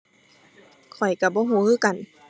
ข้อยก็บ่ก็คือกัน